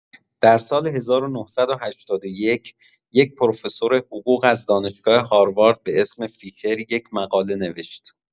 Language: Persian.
سال ۱۹۸۱ یه پرفسور حقوق از دانشگاه هاروارد به اسم فیشر یه مقاله نوشت